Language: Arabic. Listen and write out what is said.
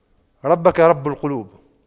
ربك رب قلوب